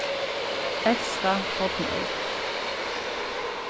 elsta fornøld